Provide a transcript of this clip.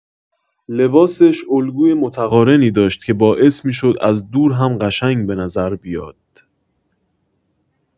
لباسش الگوی متقارنی داشت که باعث می‌شد از دور هم قشنگ به نظر بیاد.